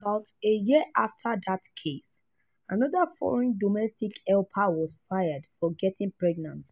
About a year after that case, another foreign domestic helper was fired for getting pregnant.